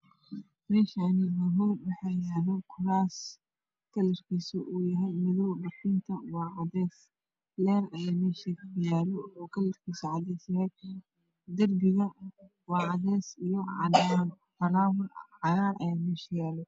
Meeshaani waa hool waxaa yaalo kuraas kalarkiisu yahay madow barkinta waa cadays laami ayaa meesha ku yaalo kalarkisa cadays yahay darbiga waa cadays iyo cadaan